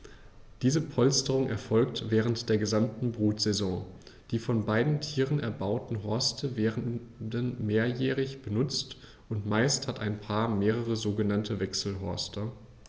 Diese Polsterung erfolgt während der gesamten Brutsaison. Die von beiden Tieren erbauten Horste werden mehrjährig benutzt, und meist hat ein Paar mehrere sogenannte Wechselhorste.